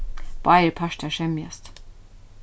báðir partar semjast